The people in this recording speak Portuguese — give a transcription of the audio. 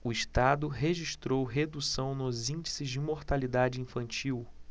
o estado registrou redução nos índices de mortalidade infantil